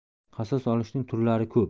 qasos olishning turlari ko'p